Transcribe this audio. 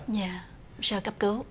dạ sau cấp cứu